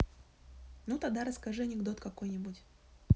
ну тогда расскажи анекдот какой нибудь